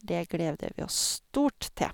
Det gleder vi oss stort til.